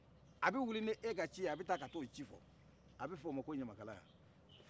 a bɛ wili n'e ka ci ye a bɛ taa ka t'o ci fɔ a bɛ f' oma ko ɲamakala